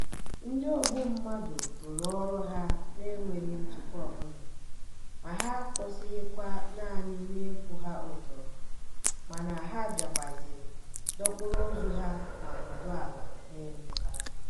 Ndị ogbummadụ rụrụ ọrụ ha na-enweghị ntụpọ ọbụla, ma ha akwụsịghịkwa naanị n'ịkwụ ha ụdọ, mana ha bịakwazịrị dọkpụrụ ozu ha ma nọdụ ala n'elu ha.